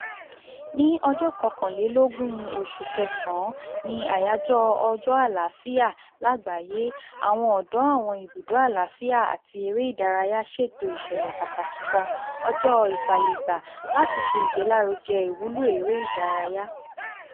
Ní 21 osù Kẹ̀sán, ní àyájọ́ Ọjọ́ Àlàáfíà Lágbàáyé, àwọn ọ̀dọ́ àwọn ibùdó àlàáfíà àti eré ìdárayá ṣètò ìṣẹ̀lẹ̀ pàtàkì kan, Ọjọ́ Ìfàyègbà, láti ṣe ìgbélárugẹ ìwúlò eré ìdárayá.